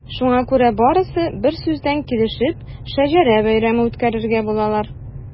Шуңа күрә барысы берсүздән килешеп “Шәҗәрә бәйрәме” үткәрергә булалар.